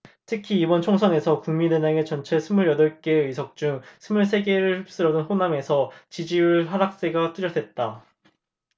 특히 이번 총선에서 국민의당이 전체 스물 여덟 개 의석 중 스물 세 개를 휩쓸었던 호남에서 지지율 하락세가 뚜렷했다